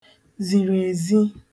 zirièzi